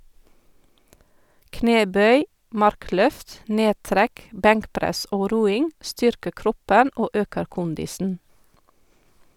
Knebøy, markløft, nedtrekk, benkpress og roing styrker kroppen og øker kondisen.